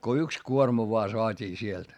kun yksi kuorma vain saatiin sieltä